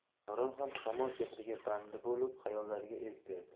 davron ham samo sehriga bandi bo'lib xayollariga erk berdi